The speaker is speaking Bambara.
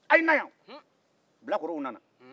a' ye na yan bilakorow nana